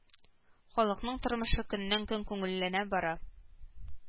Халыкның тормышы көннән-көн күңеллеләнә бара